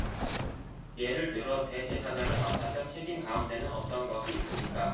예를 들어 대제사장이 맡았던 책임 가운데는 어떤 것이 있습니까